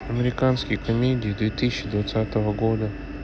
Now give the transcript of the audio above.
американские комедии две тысячи двадцатого года